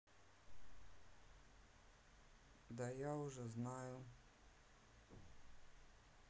да я уже знаю